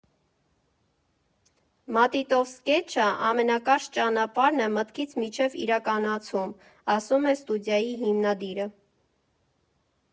«Մատիտով սքեթչն ամենակարճ ճանապարհն է մտքից մինչև իրականացում», ֊ ասում է ստուդիայի հիմնադիրը։